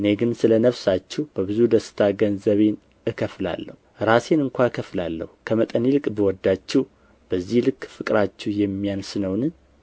እኔ ግን ስለ ነፍሳችሁ በብዙ ደስታ ገንዘቤን እከፍላለሁ ራሴን እንኳ እከፍላለሁ ከመጠን ይልቅ ብወዳችሁ በዚህ ልክ ፍቅራችሁ የሚያንስ ነውን